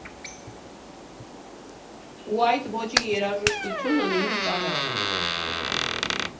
Ու այդ ոճի երաժշտությունն ինձ տարավ։